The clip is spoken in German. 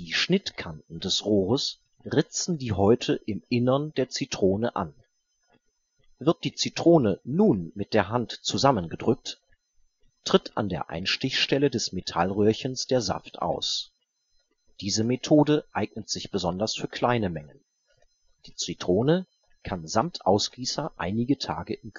Schnittkanten des Rohres ritzen die Häute im Innern der Zitrone an. Wird die Zitrone nun mit der Hand zusammengedrückt, tritt an der Einstichstelle des Metallröhrchens der Saft aus. Diese Methode eignet sich besonders für kleine Mengen. Die Zitrone kann samt Ausgießer einige Tage